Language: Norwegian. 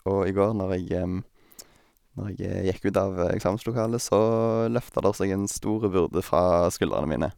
Og i går når jeg når jeg gikk ut av eksamenslokalet, så løfta der seg en stor byrde fra skuldrene mine.